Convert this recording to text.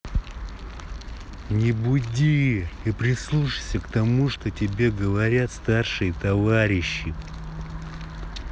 не буди и прислушайся к тому что тебе говорят старшие товарищи